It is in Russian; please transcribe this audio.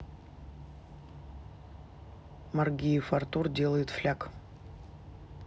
маргиев артур делает фляк